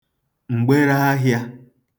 m̀gbere ahịā